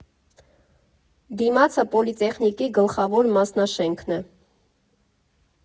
Դիմացը պոլիտեխնիկի գլխավոր մասնաշենքն է։